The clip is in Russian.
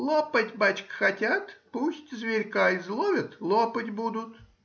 — Лопать, бачка, хотят,— пусть зверька изловят,— лопать будут.